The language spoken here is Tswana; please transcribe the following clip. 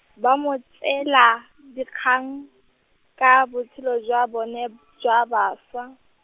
ba mo tseela, dikgang, ka botshelo jwa bone, jwa bošwa.